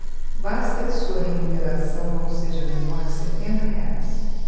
basta que sua remuneração não seja menor que setenta reais